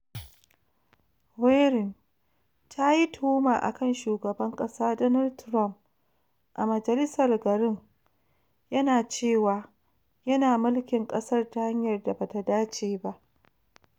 Warren ta yi tuhuma akan Shugaban Kasa Donald Trump a majalisar garin, yana cewa “yana mulkin kasar ta hanyar da bata dace ba.